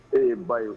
E ye ba ye